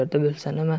bilsa nima